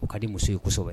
U ka di muso yesɛbɛ